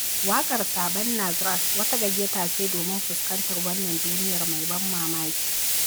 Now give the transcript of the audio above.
Waƙar "Saɓannah Grass" wata gayyata ce domin fuskantar wannan duniyar mai ban mamaki.